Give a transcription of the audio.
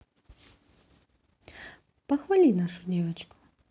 похвали нашу девочку